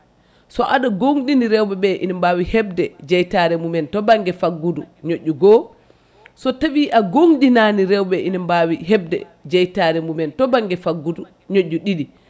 so aɗa gonɗini rewɓeɓe ene mbawi hebde jeytare mumen to banggue faggudu ñoƴƴu goho so tawi a gonɗinani rewɓe ina mbawi hebde jeytare mumen to banggue faggudu ñoƴƴu ɗiɗi